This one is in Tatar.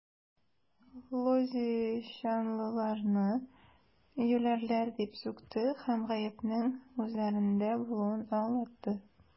Лозищанлыларны юләрләр дип сүкте һәм гаепнең үзләрендә булуын аңлатты.